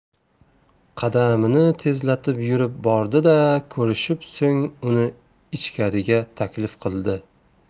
qadamini tezlatib yurib bordi da ko'rishib so'ng uni ichkariga taklif qildi